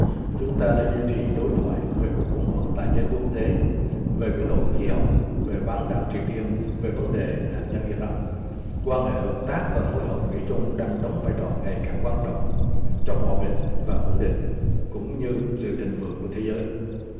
chúng ta đã duy trì đối thoại về cuộc khủng hoảng tài chánh quốc tế về biến đổi khí hậu về bán đảo triều tiên về vấn đề hạt nhân i ran quan hệ hợp tác và phối hợp mỹ trung đang đóng vai trò ngày càng quan trọng cho hòa bình và ổn định cũng như sự thịnh vượng của thế giới